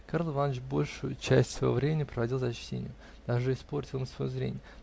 Карл Иваныч большую часть своего времени проводил за чтением, даже испортил им свое зрение